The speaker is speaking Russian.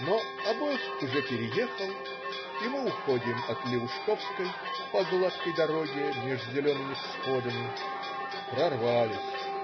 Но обоз уже переехал, и мы уходим от Леушковской по гладкой дороге меж зелеными всходами. Прорвались.